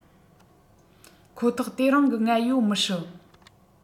ཁོ ཐག དེ རིང གི ང ཡོད མི སྲིད